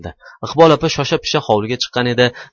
iqbol opa shosha pisha hovliga chiqqan edi